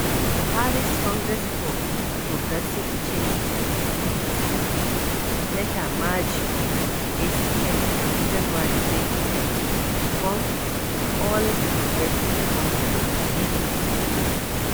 Buhari’s Congress for Progressive Change (CPC) later merged with ACN, in February 2013, to form the All Progressive Congress (APC) .